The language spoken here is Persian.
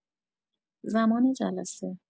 زمان جلسه